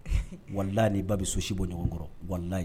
Wala nii ba bɛ so si bɔ ɲɔgɔn kɔrɔ wali